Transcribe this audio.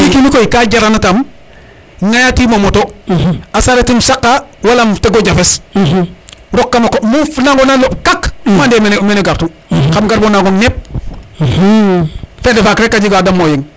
mi ndiki mikoy ka jarana tam ŋayatimo moto a charette um saqa wala im tego jafes rok kama koɓ nu nangona kak um ande mene gartu xam gar bo nangom neep fede faak rek a jega xa dama o yeng